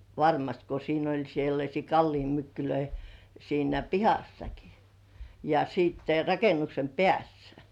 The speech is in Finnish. varmasti kun siinä oli sellaisia kallionmykkylöitä siinä pihassakin ja sitten rakennuksen päässä